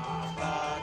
San